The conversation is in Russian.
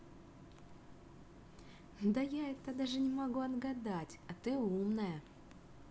да я это даже не могу отгадать а ты умная